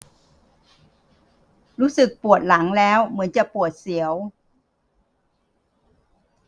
รู้สึกปวดหลังแล้วเหมือนจะปวดเสียว